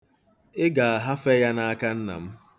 Ị ga-ahafe ya n'aka nna m.